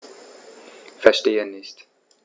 Verstehe nicht.